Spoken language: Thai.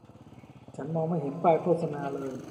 ฉันมองไม่เห็นป้ายโฆษณาเลย